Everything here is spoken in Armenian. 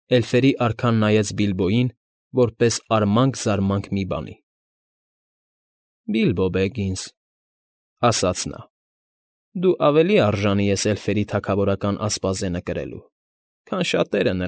Էլֆերի արքան նայեց Բիլբոյին, որպես արմանք֊զարմանք մի բանի։ ֊ Բիլբո Բեգինս…֊ ասաց նա։֊ Դու ավելի արժանի ես էլֆերի թագավորական ասպազենը կրելու, քան շատերը։